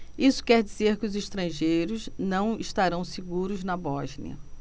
isso quer dizer que os estrangeiros não estarão seguros na bósnia